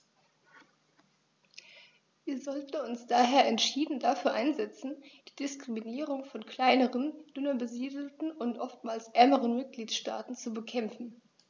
Wir sollten uns daher entschieden dafür einsetzen, die Diskriminierung von kleineren, dünner besiedelten und oftmals ärmeren Mitgliedstaaten zu bekämpfen.